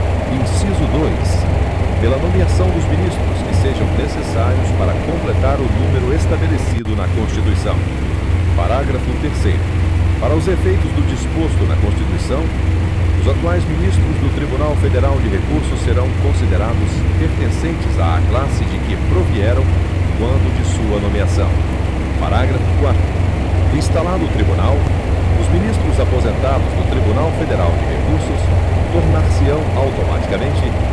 inciso dois pela nomeação dos ministros que sejam necessários para completar o número estabelecido na constituição parágrafo terceiro para os efeitos do disposto na constituição os atuais ministros do tribunal federal de recursos serão considerados pertencentes à classe de que provieram quando de sua nomeação parágrafo quarto instalado o tribunal os